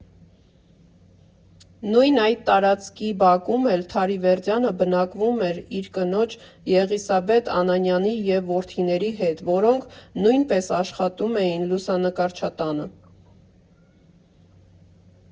Նույն այդ տարածքի բակում էլ Թարիվերդյանցը բնակվում էր իր կնոջ՝ Եղիսաբեթ Անանյանի և որդիների հետ, որոնք նույնպես աշխատում էին լուսանկարչատանը։